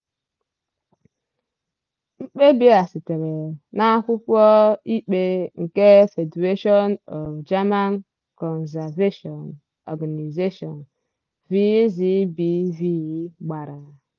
Mkpebi a sitere na akwụkwọ ikpe nke Federation of German Conservation Organisation, VZBV, gbara.